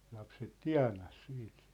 lapset tienasi siitä